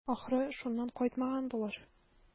Ахры, шуннан кайтмаган булыр.